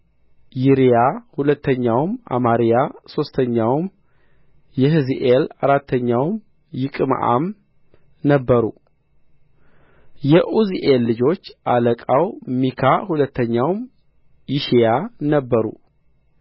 ይሪያ ሁለተኛው አማርያ ሦስተኛው የሕዚኤል አራተኛው ይቅምዓም ነበሩ የዑዝኤል ልጆች አለቃው ሚካ ሁለተኛው ይሺያ ነበሩ